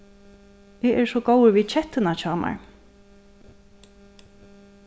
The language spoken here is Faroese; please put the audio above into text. eg eri so góður við kettuna hjá mær